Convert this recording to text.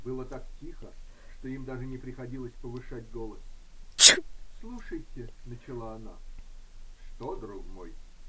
Было так тихо, что им даже не приходилось повышать голос. -- Слушайте. -- начала она. -- Что, друг мой?